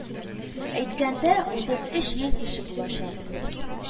Әйткәндә утыз өч мең кеше булачак